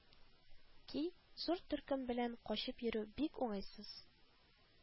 Ки зур төркем белән качып йөрү бик уңайсыз